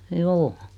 joo